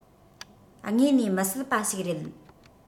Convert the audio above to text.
དངོས ནས མི སྲིད པ ཞིག རེད